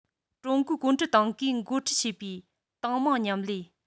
ཀྲུང གོའི གུང ཁྲན ཏང གིས འགོ ཁྲིད བྱེད པའི ཏང མང མཉམ ལས